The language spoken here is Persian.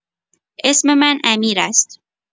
اسم من امیر است.